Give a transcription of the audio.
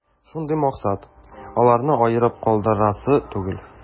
Шундый максат: аларны аерып калдырасы түгел.